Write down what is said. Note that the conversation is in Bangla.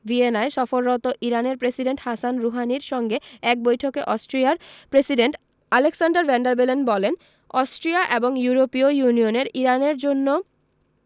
ভিয়েনায় সফররত ইরানের প্রেসিডেন্ট হাসান রুহানির সঙ্গে এক বৈঠকে অস্ট্রিয়ার president Alexander van der Bellen বলেন অস্ট্রিয়া এবং ইউরোপীয় ইউনিয়ন ইরানের জন্য